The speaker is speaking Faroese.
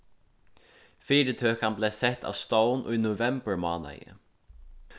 fyritøkan bleiv sett á stovn í novemburmánaði